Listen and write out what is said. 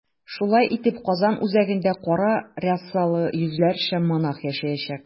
Шулай итеп, Казан үзәгендә кара рясалы йөзләрчә монах яшәячәк.